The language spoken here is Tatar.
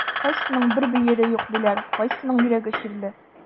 Кайсының бер бөере юк диләр, кайсының йөрәге чирле.